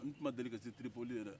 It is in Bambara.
n tun ma deli ka se tiripoli yɛrɛ